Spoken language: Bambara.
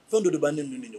Fɛn dɔ de ban ni dun de jɔ